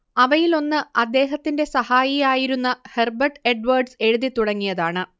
അവയിലൊന്ന് അദ്ദേഹത്തിന്റെ സഹായിയായിരുന്ന ഹെർബെർട്ട് എഡ്വേഡ്സ് എഴുതിത്തുടങ്ങിയതാണ്